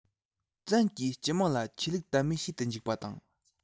བཙན གྱིས སྤྱི དམངས ལ ཆོས ལུགས དད མོས བྱེད དུ འཇུག པ དང